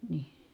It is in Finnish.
niin